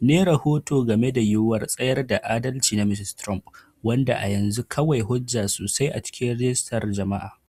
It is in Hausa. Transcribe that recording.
ne rahoto game da yiwuwar tsayar da adalci na Mr. Trump, wanda a yanzu akwai hujja sosai a cikin rajistar jama'a.